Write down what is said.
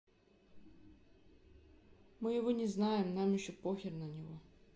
мы его не знаем нам еще похер на него